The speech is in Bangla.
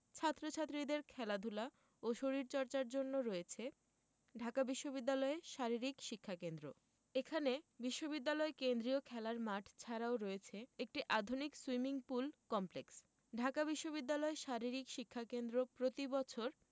ছাত্র ছাত্রীদের খেলাধুলা ও শরীরচর্চার জন্য রয়েছে ঢাকা বিশ্ববিদ্যালয়ে শারীরিক শিক্ষাকেন্দ্র এখানে বিশ্ববিদ্যালয় কেন্দ্রীয় খেলার মাঠ ছাড়াও রয়েছে একটি আধুনিক সুইমিং পুল কমপ্লেক্স ঢাকা বিশ্ববিদ্যালয় শারীরিক শিক্ষা কেন্দ্র প্রতিবছর